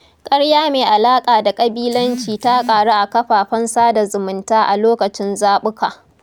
ƙarya mai alaƙa da ƙabilanci ta ƙaru a kafafen sada zumunta a lokacin zaɓuka.